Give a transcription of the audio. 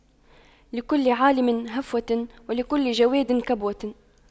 لكل عالِمٍ هفوة ولكل جَوَادٍ كبوة